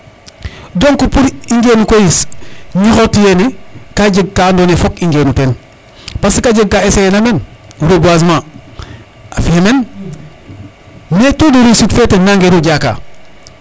donc pour i ngenu koy ñoxor tiyene ka jeg ka ando naye fook i ngenu ten parce que a jega ka essayer ena men reboisement a fiye men mais taux de reussite fe ten nangeru jaka